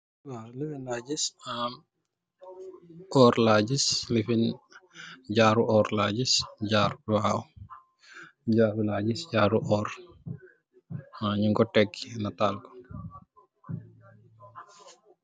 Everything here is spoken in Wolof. Oor laa gis, jaaru oor laa gis, waaw. Jaaru oor la gis, waaw, ñuñ ko tek nataal ko.